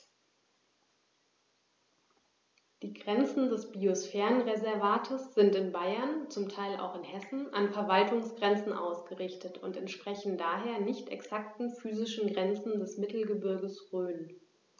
Die Grenzen des Biosphärenreservates sind in Bayern, zum Teil auch in Hessen, an Verwaltungsgrenzen ausgerichtet und entsprechen daher nicht exakten physischen Grenzen des Mittelgebirges Rhön.